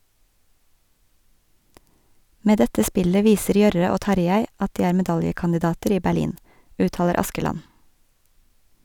Med dette spillet viser Jørre og Tarjei at de er medaljekandidater i Berlin, uttaler Askeland.